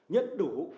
nhất đủ